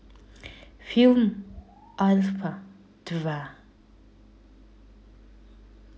фильм альфа два